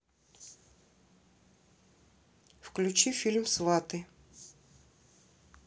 включи фильм сваты